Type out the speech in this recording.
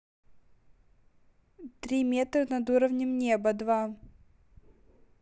три метра над уровнем неба два